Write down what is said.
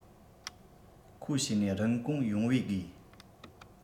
ཁོ བྱས ནས རིན གོང ཡོང བའི དགོས